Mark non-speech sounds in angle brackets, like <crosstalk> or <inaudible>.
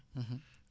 <hesitation> <hesitation>